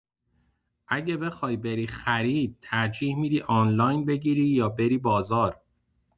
اگه بخوای بری خرید، ترجیح می‌دی آنلاین بگیری یا بری بازار؟